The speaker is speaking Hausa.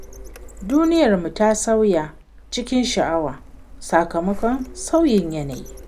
Duniyarmu ta sauya cikin sha'awa sakamakon sauyin yanayi.